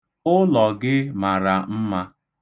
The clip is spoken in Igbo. Ụlọ gị mara mma.